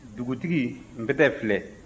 dugutigi npɛtɛ filɛ